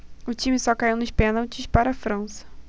o time só caiu nos pênaltis para a frança